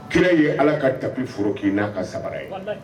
Kira ye Ala ka tapis foroki n'a ka samara ye. Walayi!